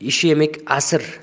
aytganda ishemik asr